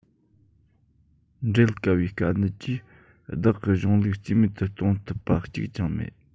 འགྲེལ དཀའ བའི དཀའ གནད ཀྱིས བདག གི གཞུང ལུགས རྩིས མེད དུ གཏོང ཐུབ པ གཅིག ཀྱང མེད